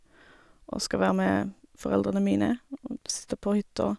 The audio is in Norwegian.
Og skal være med foreldrene mine og p sitte på hytta.